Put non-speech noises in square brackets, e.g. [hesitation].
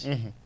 [hesitation] [hesitation]